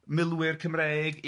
milwyr Cymreig... Ia.